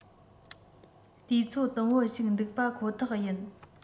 དུས ཚོད དུམ བུ ཞིག འདུག པ ཁོ ཐག ཡིན